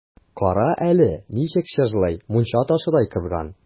Кара әле, ничек чыжлый, мунча ташыдай кызган!